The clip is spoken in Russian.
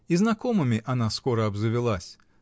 И знакомыми она скоро обзавелась.